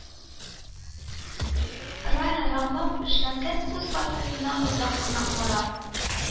Рая рамлап эшләнгән үз портретына озак кына карап